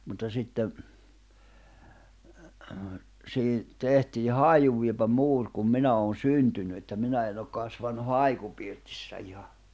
mutta sitten siihen tehtiin haiunvievä muuri kun minä olen syntynyt että minä en ole kasvanut haikupirtissä ihan